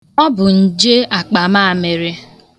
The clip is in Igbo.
Ọ bụ nje akpamamịrị.